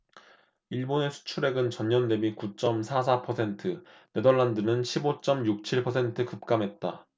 일본의 수출액은 전년대비 구 쩜 사 사 퍼센트 네덜란드는 십 오 쩜 육 칠 퍼센트 급감했다